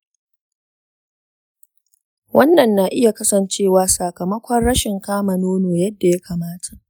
wannan na iya kasancewa sakamakon rashin kama nono yadda ya kamata.